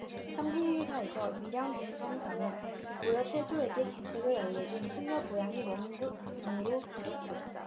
삼국유사에서 밀양 봉성사는 고려 태조에게 계책을 알려준 승려 보양이 머문 곳 등으로 기록됐다